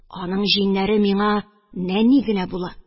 Аның җиңнәре миңа нәни генә була.